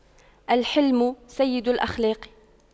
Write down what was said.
الحِلْمُ سيد الأخلاق